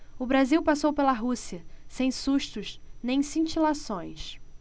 o brasil passou pela rússia sem sustos nem cintilações